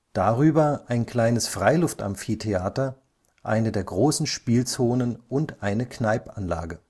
Darüber ein kleines Freiluft-Amphitheater, eine der großen Spielzonen und eine Kneippanlage